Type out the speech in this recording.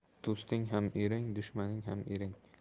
do'sting ham ering dushmaning ham ering